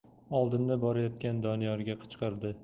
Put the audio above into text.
oldinda borayotgan doniyorga qichqirdi